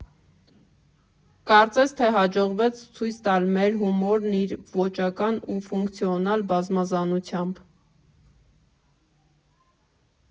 Կարծես թե հաջողվեց ցույց տալ մեր հումորն իր ոճական ու ֆունկցիոնալ բազմազանությամբ։